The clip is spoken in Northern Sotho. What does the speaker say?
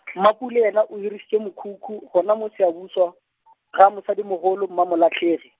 Mapule yena o hirišitše mokhukhu gona mo Siyabuswa , ga mosadimogolo Mmamolahlegi.